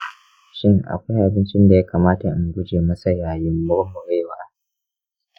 shin akwai abincin da ya kamata in guje masa yayin murmurewa?